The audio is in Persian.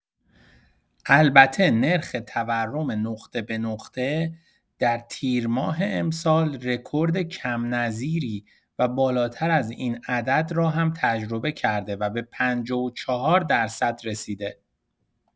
البته نرخ تورم نقطه‌به‌نقطه در تیر ماه امسال رکورد کم نظیری و بالاتر از این عدد را هم تجربه کرده و به ۵۴ درصد رسیده